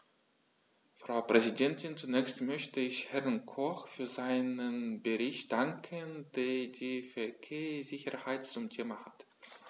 Frau Präsidentin, zunächst möchte ich Herrn Koch für seinen Bericht danken, der die Verkehrssicherheit zum Thema hat.